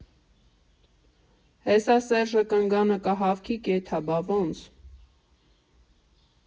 Հեսա Սեռժը կնգանը կհավքի կեթա, բա ոնց։